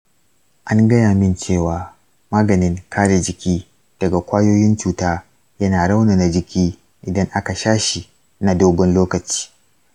an gaya min cewa maganin kare jiki daga kwayoyin cuta yana raunana jiki idan aka sha shi na dogon lokaci.